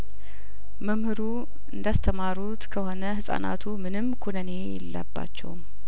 መምህሩ እንዳስ ተማሩት ከሆነ ህጻናቶች ምንም ኩነኔ የለባቸውም